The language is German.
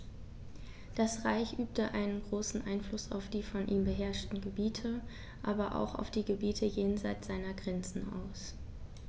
Das Reich übte einen großen Einfluss auf die von ihm beherrschten Gebiete, aber auch auf die Gebiete jenseits seiner Grenzen aus.